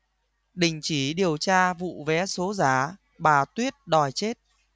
đình chỉ điều tra vụ vé số giả bà tuyết đòi chết